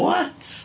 What?!